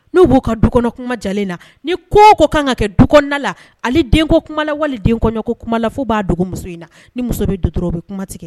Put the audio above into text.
N'u b'u ka dukɔnɔkuma diyalen na ni ko o ko kan ka kɛ dukɔnɔna la hali denkokuma la wali kɔɲɔkokuma la f'u b'a dogo muso in na ni muso bɛ don dɔrɔn u bɛ kuma tigɛ